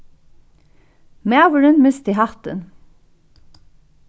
maðurin misti hattin